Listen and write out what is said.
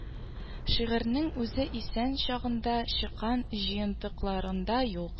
Шагыйрьнең үзе исән чагында чыккан җыентыкларында юк